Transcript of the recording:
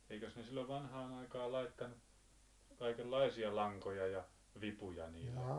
eikös ne silloin vanhaan aikaan laittanut kaikenlaisia lankoja ja vipuja niille